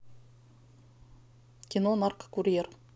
кино наркокурьер